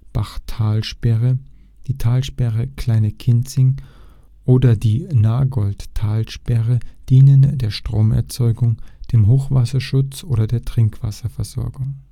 Schwarzenbachtalsperre, die Talsperre Kleine Kinzig oder die Nagoldtalsperre dienen der Stromerzeugung, dem Hochwasserschutz oder der Trinkwasserversorgung